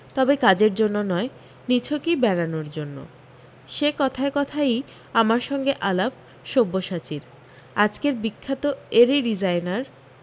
তবে কাজের জন্য নয় নিছকি বেড়ানোর জন্য সেই কথায় কথায়ি আমার সঙ্গে আলাপ সব্যসাচীর আজকের বিখ্যাত এরি ডিজাইনার